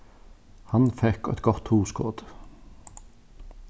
hann fekk eitt gott hugskot